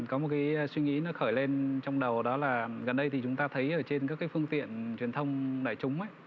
có một cái suy nghĩ nó khởi lên trong đầu đó là gần đây thì chúng ta thấy ở trên các phương tiện truyền thông đại chúng ấy